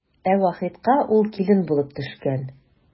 Ә Вахитка ул килен булып төшкән.